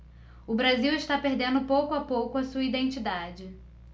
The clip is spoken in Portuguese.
o brasil está perdendo pouco a pouco a sua identidade